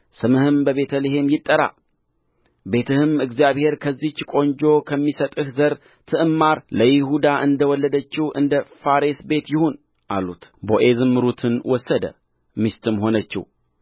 ስምህም በቤተ ልሔም ይጠራ ቤትህም እግዚአብሔር ከዚህች ቈንጆ ከሚሰጥህ ዘር ትዕማር ለይሁዳ እንደ ወለደችው እንደ ፋሬስ ቤት ይሁን አሉት ቦዔዝም ሩትን ወሰደ ሚስትም ሆነችው